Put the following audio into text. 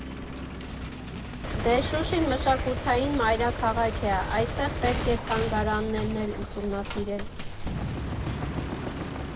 Դե Շուշին մշակութային մայրաքաղաք է, այստեղ պետք է թանգարաններն էլ ուսումնասիրել։